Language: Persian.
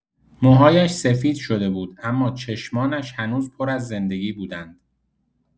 موهایش سفید شده بود، اما چشمانش هنوز پر از زندگی بودند.